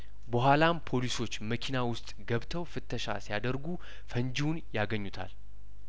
በኋላም ፖሊሶች መኪና ውስጥ ገብተው ፍተሻ ሲያደርጉ ፈንጂውን ያገኙታል